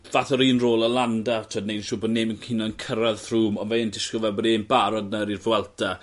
fath o'r un rôl â Landa t'od neud yn siŵr bo' neb yn hyd yn o'd yn cyrredd Froome on' mae e'n dishgwl fel bod e'n barod nawr i'r Vuelta.